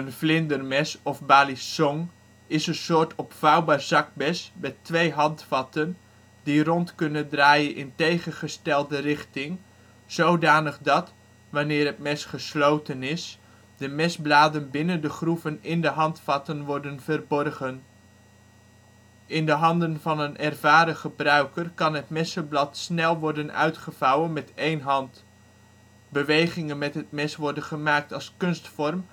vlindermes of balisong is een soort opvouwbaar zakmes met twee handvatten die rond kunnen draaien in tegengestelde richting, dusdanig dat, wanneer het mes gesloten is, de mesbladen binnen de groeven in de handvatten worden verborgen. In de handen van een ervaren gebruiker kan het messenblad snel worden uitgevouwen met één hand. Bewegingen met het mes worden gemaakt als kunstvorm